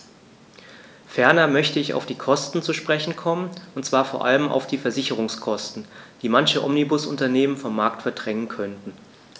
Ferner möchte ich auf die Kosten zu sprechen kommen, und zwar vor allem auf die Versicherungskosten, die manche Omnibusunternehmen vom Markt verdrängen könnten.